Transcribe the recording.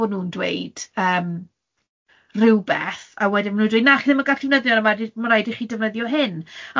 bo' nhw'n dweud yym rywbeth, a wedyn ma' nhw'n dweud na chi ddim yn gallu defnyddio fe, ma' raid i chi defnyddio hyn.